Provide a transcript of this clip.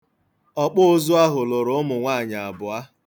Okpụụzụ ahụ lụrụ ụmụ nwaanyị abụọ.